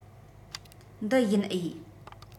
འདི ཡིན འོས